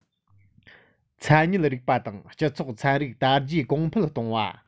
མཚན ཉིད རིག པ དང སྤྱི ཚོགས ཚན རིག དར རྒྱས གོང འཕེལ གཏོང བ